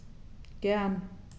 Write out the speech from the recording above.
Gern.